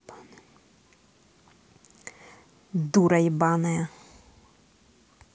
дура ебаная